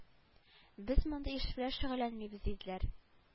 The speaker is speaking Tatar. Без мондый эш белән шөгыльләнмибез диделәр